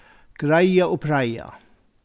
greiða og preia